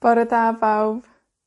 Bore da bawb.